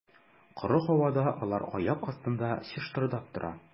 Коры һавада алар аяк астында чыштырдап тора.